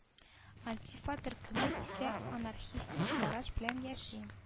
Антифа төркеме исә анархистик караш белән яши